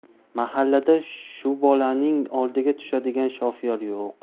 mahallada shubolaning oldiga tushadigan shofyor yo'q